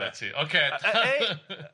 Na ti ocê?